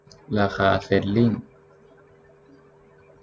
ราคาเชนลิ้ง